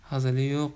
hazili yo'q